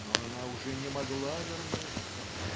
Но она уже не могла вернуться.